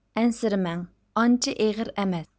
ئەنسىرىمەڭ ئانچە ئېغىر ئەمەس